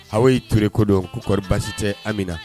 Aw' ye' ture ko don kuɔri baasisi tɛ an min na